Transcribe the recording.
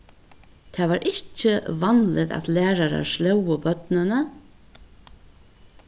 tað var ikki vanligt at lærarar slógu børnini